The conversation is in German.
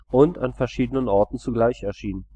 und an verschiedenen Orten zugleich erschien